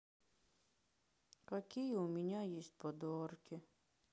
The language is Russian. какие у меня есть подарки